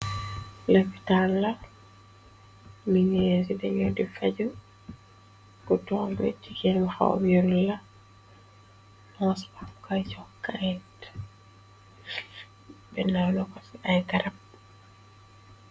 labitanla minegi dañoti faju ku toe cikenxabyonla nosakyokae benna lokoci ay garab